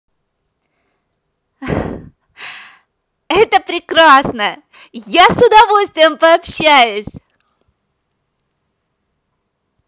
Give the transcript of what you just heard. это прекрасно я с удовольствием пообщаюсь